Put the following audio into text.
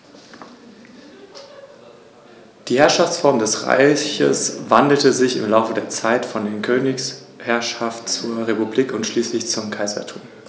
Rom wurde damit zur ‚De-Facto-Vormacht‘ im östlichen Mittelmeerraum.